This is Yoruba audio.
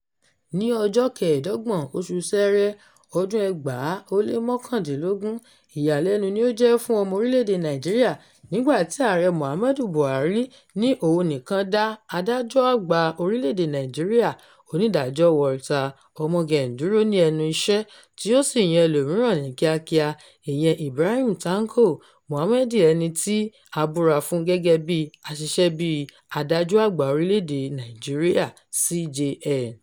Ní ọjọ́ 25, oṣù Ṣẹrẹ ọdún-un 2019, ìyàlẹ́nu ni ó jẹ́ fún ọmọ orílẹ̀-èdè Nàìjíríà nígbà tí Ààrẹ Muhammad Buhari ní òun nìkan dá Adájọ́ Àgbà Orílẹ̀-èdè Nàìjíríà, Onídàájọ́ Walter Onnoghen dúró ní ẹnu iṣẹ́, tí ó sì yan ẹlòmíràn ní kíákíá, ìyẹn Ibrahim Tanko Muhammad ẹni tí a búra fún gẹ́gẹ́ bíi aṣiṣẹ́ bíi Adájọ́ Àgbà Orílẹ̀-èdè Nàìjíríà (CJN).